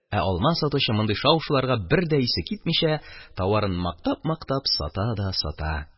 Ә алма сатучы, мондый шау-шуларга бер дә исе китмичә, товарын мактап-мактап сата да сата.